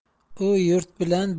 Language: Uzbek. u yurt bilan